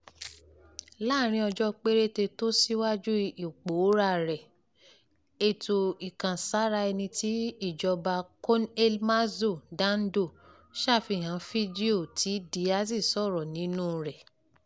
Láàrin ọjọ́ péréte tó ṣíwájú ìpòóráa rẹ̀, ètò ìkàn-sára- ẹni ti ìjọba Con el Mazo Dando ṣàfihàn fídíò tí Díaz sọ̀rọ̀ nínúu rẹ̀.